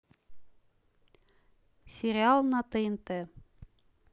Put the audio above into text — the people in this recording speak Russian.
сериалы на тнт